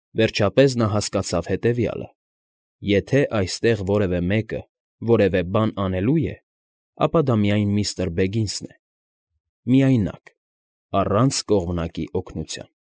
Վերջապես, նա հասկացավ հետևյալը. եթե այստեղ որևէ մեկը որևէ բան անելու է, ապա դա միայն միստր Բեգինսն է՝ միայնակ, առանց կողմնակի օգնության։